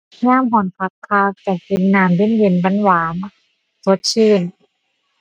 ยามร้อนคักคัก ร้อนกินน้ำเย็นเย็น หวานหวาน สดชื่น